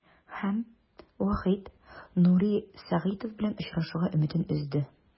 Һәм Вахит Нури Сагитов белән очрашуга өметен өзде.